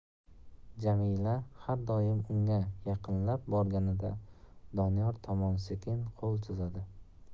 jamila har doim unga yaqinlab borganida doniyor tomon sekin qo'l cho'zadi